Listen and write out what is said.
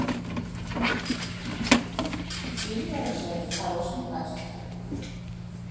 фильм ржев в хорошем качестве